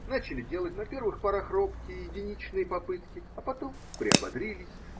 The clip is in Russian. начали делать на первых порах робкие, единичные попытки, а потом приободрились.